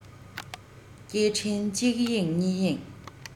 སྐད འཕྲིན གཅིག གཡེང གཉིས གཡེང